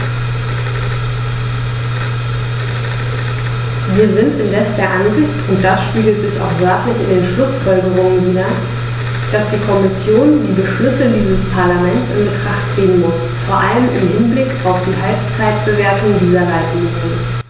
Wir sind indes der Ansicht und das spiegelt sich auch wörtlich in den Schlussfolgerungen wider, dass die Kommission die Beschlüsse dieses Parlaments in Betracht ziehen muss, vor allem im Hinblick auf die Halbzeitbewertung dieser Leitlinien.